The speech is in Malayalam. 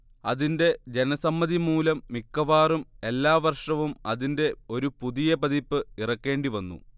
അതിന്റെ ജനസമ്മതിമൂലം മിക്കവാറും എല്ലാവർഷവും അതിന്റെ ഒരു പുതിയപതിപ്പ് ഇറക്കേണ്ടിവന്നു